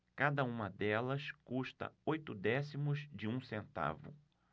cada uma delas custa oito décimos de um centavo